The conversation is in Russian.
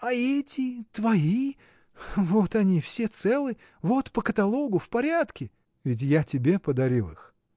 — А эти, твои, — вот они, все целы, вот по каталогу, в порядке. — Ведь я тебе подарил их.